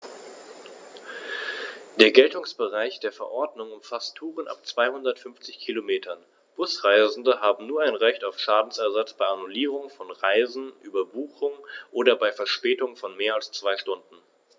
Der Geltungsbereich der Verordnung umfasst Touren ab 250 Kilometern, Busreisende haben nun ein Recht auf Schadensersatz bei Annullierung von Reisen, Überbuchung oder bei Verspätung von mehr als zwei Stunden.